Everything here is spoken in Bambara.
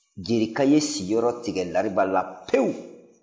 jerika ye siyɔrɔ tigɛ lariba la pewu